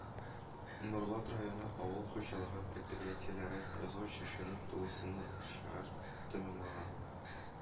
Нурлат районы авыл хуҗалыгы предприятиеләре язгы чәчүне тулысынча тәмамлаган